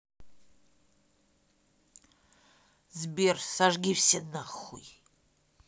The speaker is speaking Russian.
сбер сожги все нахуй